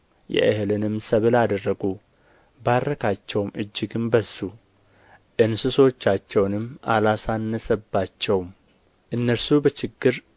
የእህልንም ሰብል አደረጉ ባረካቸውም እጅግም በዙ እንስሶቻቸውንም አላሳነሰባቸውም እነርሱ በችግር